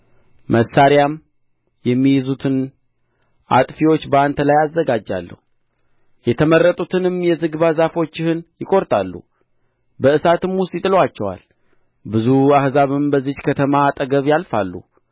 መሣሪያም የሚይዙትን አጥፊዎች በአንተ ላይ አዘጋጃለሁ የተመረጡትንም የዝግባ ዛፎችህን ይቈርጣሉ በእሳትም ውስጥ ይጥሉአቸዋል ብዙ አሕዛብም በዚህች ከተማ አጠገብ ያልፋሉ